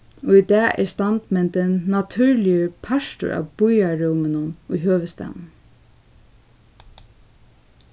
í dag er standmyndin natúrligur partur av býarrúminum í høvuðsstaðnum